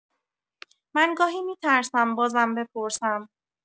من گاهی می‌ترسم بازم بپرسم.